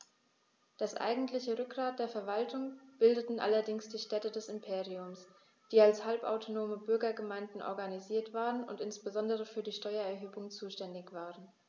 Das eigentliche Rückgrat der Verwaltung bildeten allerdings die Städte des Imperiums, die als halbautonome Bürgergemeinden organisiert waren und insbesondere für die Steuererhebung zuständig waren.